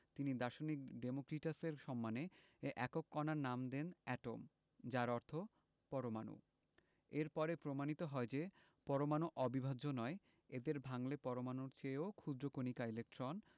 তিনি দার্শনিক ডেমোক্রিটাসের সম্মানে এ একক কণার নাম দেন এটম যার অর্থ পরমাণু এর পরে প্রমাণিত হয় যে পরমাণু অবিভাজ্য নয় এদের ভাঙলে পরমাণুর চেয়েও ক্ষুদ্র কণিকা ইলেকট্রন